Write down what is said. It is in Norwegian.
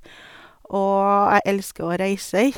Og jeg elsker å reiser.